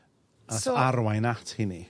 So... Nath arwain at hinny?